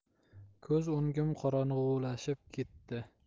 ko'z o'ngim qorong'ilashib ketdi